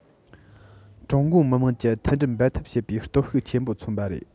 ཀྲུང གོའི མི དམངས ཀྱི མཐུན སྒྲིལ འབད འཐབ བྱེད པའི སྟོབས ཤུགས ཆེན པོ མཚོན པ རེད